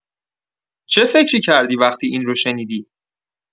چه فکری کردی وقتی این رو شنیدی؟